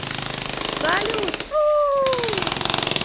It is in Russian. салют у